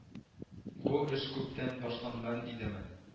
Бу эш күптән башланган идеме